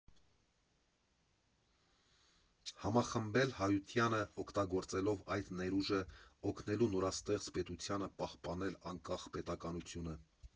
Համախմբել հայությանը, օգտագործելով այդ ներուժը՝ օգնելու նորաստեղծ պետությանը պահպանել անկախ պետականությունը։